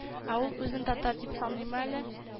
— ә ул үзен татар дип саныймы әллә